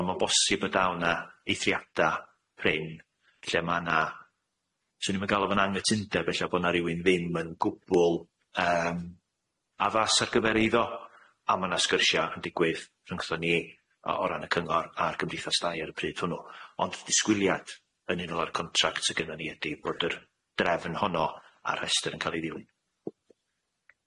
Wel ma'n bosib ydaw na eithriada prin, lle ma' na swn i'm yn galw fo'n anghytundeb ella bo' na rywun ddim yn gwbwl yym addas ar gyfer eiddo a ma' na sgyrsia yn digwydd rhyngthon ni yy o ran y cyngor a'r cymdeithas dai ar y pryd hwnnw ond disgwyliad yn unol o'r contract sy gynnon ni ydi bod yr drefn honno a'r rhestr yn ca'l ei ddilyn.